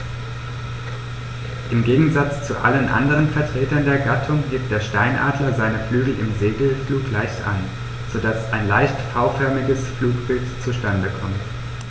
Im Gegensatz zu allen anderen Vertretern der Gattung hebt der Steinadler seine Flügel im Segelflug leicht an, so dass ein leicht V-förmiges Flugbild zustande kommt.